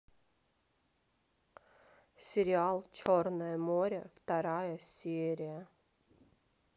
сериал черное море вторая серия